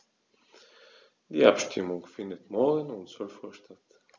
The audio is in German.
Die Abstimmung findet morgen um 12.00 Uhr statt.